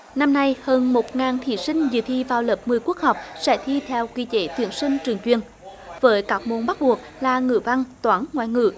năm nay hơn một ngàn thí sinh dự thi vào lớp mười quốc học sẽ thi theo quy chế tuyển sinh trường chuyên với các môn bắt buộc là ngữ văn toán ngoại ngữ